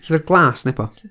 'Llyfr Glas Nebo!'